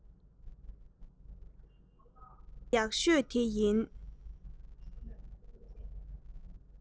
ཁོ ལག ཡག ཤོས དེ ཡིན